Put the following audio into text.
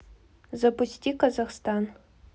запусти казахстан